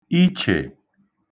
ichè